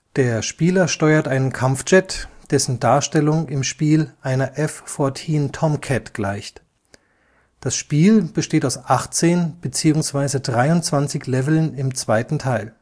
Der Spieler steuert einen Kampfjet, dessen Darstellung im Spiel einer F-14 Tomcat gleicht. Das Spiel besteht aus 18, beziehungsweise 23 Levels im zweiten Teil